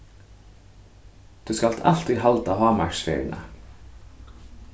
tú skalt altíð halda hámarksferðina